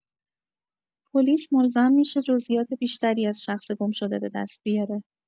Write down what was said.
پلیس ملزم می‌شه جزئیات بیشتری از شخص گم‌شده به دست بیاره.